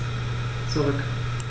Zurück.